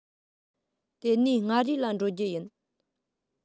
དེ ནས མངའ རིས ལ འགྲོ རྒྱུ ཡིན